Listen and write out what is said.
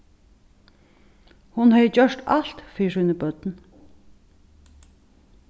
hon hevði gjørt alt fyri síni børn